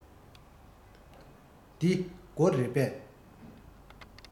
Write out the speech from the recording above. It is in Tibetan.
འདི སྒོ རེད པས